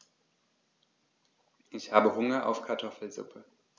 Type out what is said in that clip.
Ich habe Hunger auf Kartoffelsuppe.